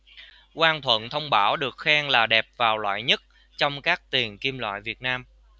quang thuận thông bảo được khen là đẹp vào loại nhất trong các tiền kim loại việt nam